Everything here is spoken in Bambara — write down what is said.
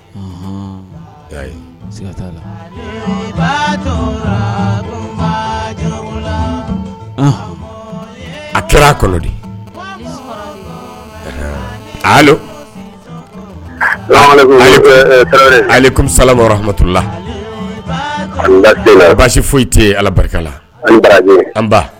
A kɛra dimisalamadula an baasi foyi tɛ ala barika la